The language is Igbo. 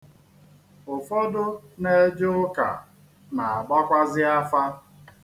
Ụfọdụ na-eje ụka na-agbakwazị afa.